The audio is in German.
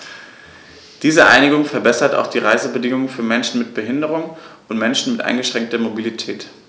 Diese Einigung verbessert auch die Reisebedingungen für Menschen mit Behinderung und Menschen mit eingeschränkter Mobilität.